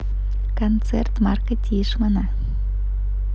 концерт марка тишмана